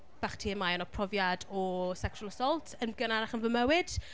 bach TMI, ond y profiad o sexual assault, yn gynharach yn fy mywyd.